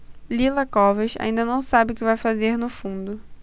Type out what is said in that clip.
lila covas ainda não sabe o que vai fazer no fundo